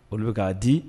Olu de bɛ k'a di